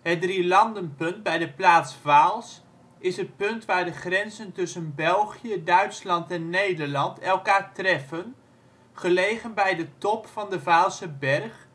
Het Drielandenpunt bij de plaats Vaals is het punt waar de grenzen tussen België, Duitsland en Nederland elkaar treffen, gelegen bij de top van de Vaalserberg,